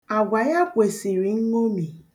Agwa ya kwesịrị nṅomi.